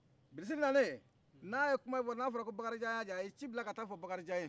bilisi nalen n'a ye ko fɔ n'a fɔra ko bakarijan y'a cɛ a ye ci bila ka t'a fɔ bakarijan ye